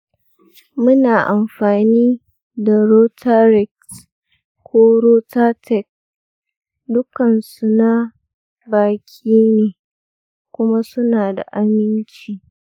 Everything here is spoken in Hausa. muna amfani da rotarix ko rotateq, dukkansu na baki ne kuma suna da aminci.